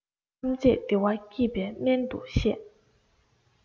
ཐམས ཅད བདེ བ སྐྱེད པའི སྨན དུ བཤད